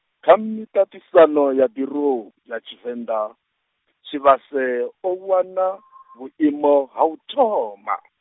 kha miṱaṱisano ya birou, ya Tshivenḓa, Tshivhase, o wana vhuimo ha uthoma.